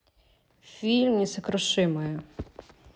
фильм несокрушимые